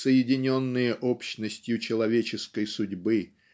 соединенные общностью человеческой судьбы